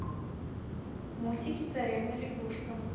мультики царевна лягушка